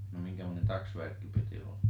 no minkämoinen taksvärkki piti olla